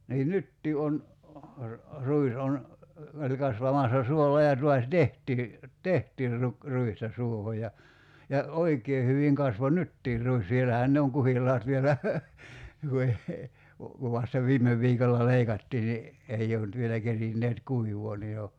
niin nytkin on ruis on meillä kasvamassa suolla ja taas tehtiin tehtiin - ruista suohon ja ja oikein hyvin kasvoi nytkin ruis siellähän ne on kuhilaat vielä -- kun vasta viime viikolla leikattiin niin ei ole nyt vielä kerinneet kuivaa niin jo